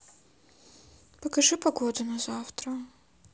покажи погоду на завтра